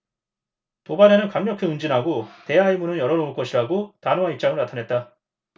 도발에는 강력히 응징하고 대화의 문은 열어 놓을 것이라고 단호한 입장을 나타냈다